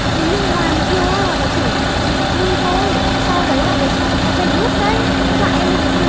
người nước ngoài mà yêu á nó chỉ chỉ cho vui thôi sau đấy là về sau nó về nước đấy cứ dọa em như thế nhưng